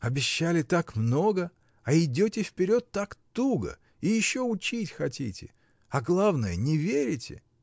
Обещали так много, а идете вперед так туго — и еще учить хотите. А главное — не верите!